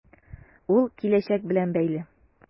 Ул киләчәк белән бәйле.